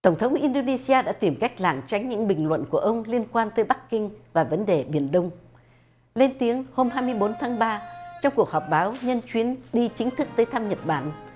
tổng thống in đô nê xi a đã tìm cách lảng tránh những bình luận của ông liên quan tới bắc kinh và vấn đề biển đông lên tiếng hôm hai mươi bốn tháng ba trong cuộc họp báo nhân chuyến đi chính thức tới thăm nhật bản